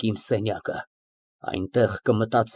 Բայց զգույշ, նրանց ապահովությունը պատվովս եմ երաշխավորել։ ԲԱԳՐԱՏ ֊ (Վիրավորված)։